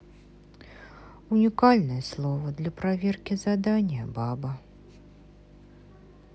уникальное слово для проверки задания баба